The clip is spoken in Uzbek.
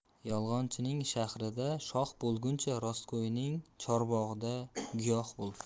yolg'onchining shahrida shoh bo'lguncha rostgo'yning chorbog'ida giyoh bo'l